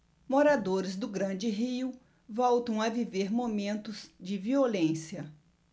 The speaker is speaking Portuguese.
moradores do grande rio voltam a viver momentos de violência